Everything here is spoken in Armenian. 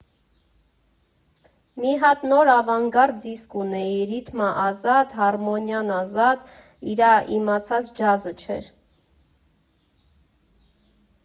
Մի հատ նոր ավանգարդ դիսկ ունեի՝ ռիթմը՝ ազատ, հարմոնիան՝ ազատ, իրա իմացած ջազը չէր։